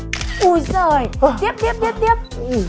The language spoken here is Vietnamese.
úi dời tiếp tiếp tiếp tiếp